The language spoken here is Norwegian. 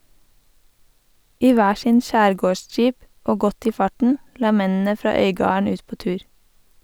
I hver sin skjærgårdsjeep, og godt i farten, la mennene fra Øygarden ut på tur.